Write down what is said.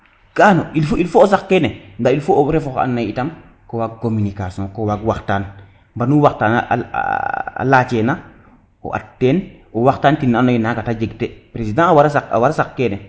ga'ano il faut o saq kene nda il faut o refooxa and naye itam ko waag communication ko waag waxtan mbanu waxtan a lacena a aten waxtan tin na ando naye naga te jeg te president a wara saq kene